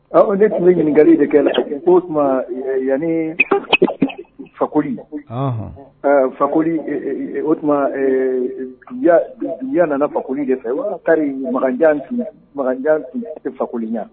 De tun bɛ ɲininkakali de kɛ o tuma yan fakoli fakoli o ɲa nana fakoli de fɛ kari makanjan fakoliya